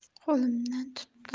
qo'limdan tutdi